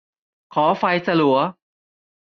ขอไฟสลัว